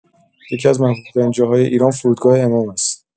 یکی‌از محبوب‌ترین جاهای ایران فرودگاه امام هست!